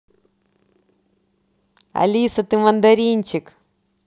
алиса ты мандаринчик